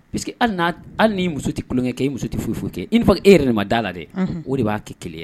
Parce que nii muso tɛkɛ kɛ i muso tɛ foyi foyi kɛ i' e yɛrɛ de ma da la dɛ o de b'a kɛ kelen ye